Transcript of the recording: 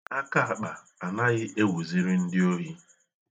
Akaakpa anaghị ewuziri ndi ohi.